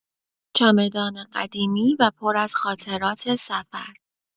چمدان قدیمی و پر از خاطرات سفر